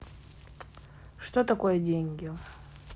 что такое деньги